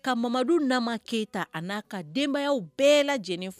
Ka mamadu nama keyita a n'a ka denbaya bɛɛ lajɛlen fɔ